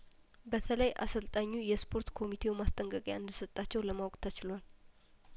በተለይ አሰልጣኙ የስፖርት ኮሚቴው ማስጠንቀቂያ እንደ ሰጣቸው ለማወቅ ተችሏል